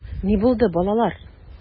Ни булды, балалар?